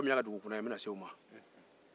kun min y'a kɛ dugukura ye n bɛna se o ma